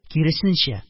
Киресенчә